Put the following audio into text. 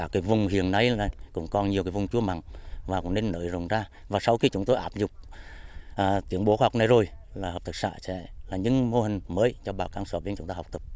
các vùng hiện nay là cũng còn nhiều vùng chua mặn mặn và nên nới rộng ra và sau khi chúng tôi áp dụng tiến bộ khoa học này rồi là hợp tác xã sẽ nhân mô hình mới cho bà con xã viên chúng ta học tập